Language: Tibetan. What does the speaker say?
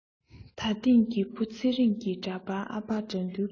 ད ཐེངས ཀྱི བུ ཚེ རིང གི འདྲ པར ཨ ཕ དགྲ འདུལ གྱི